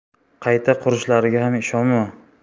qayta qurishlariga ham ishonma